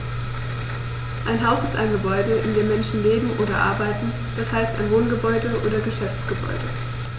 Ein Haus ist ein Gebäude, in dem Menschen leben oder arbeiten, d. h. ein Wohngebäude oder Geschäftsgebäude.